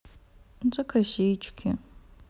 за косички